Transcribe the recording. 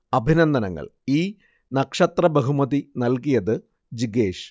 അഭിനന്ദനങ്ങൾ ഈ നക്ഷത്ര ബഹുമതി നൽകിയത് ജിഗേഷ്